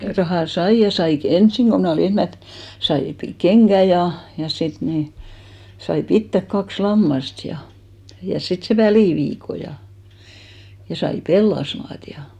rahaa sain ja sain - ensin kun minä olin ensimmäiset sai - kengät ja ja sitten niin sai pitää kaksi lammasta ja ja sitten sen väliviikon ja sai pellasmaata ja